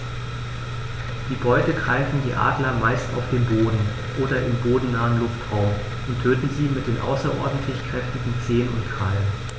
Die Beute greifen die Adler meist auf dem Boden oder im bodennahen Luftraum und töten sie mit den außerordentlich kräftigen Zehen und Krallen.